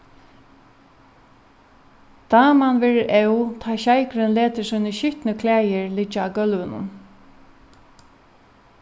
daman verður óð tá ið sjeikurin letur síni skitnu klæðir liggja á gólvinum